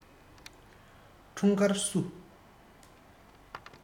འཁྲུངས སྐར བསུ